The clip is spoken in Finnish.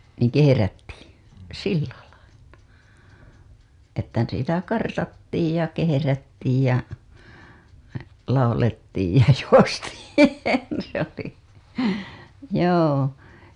niin kehrättiin sillä lailla että sitä kartattiin ja kehrättiin ja laulettiin ja juostiin se oli joo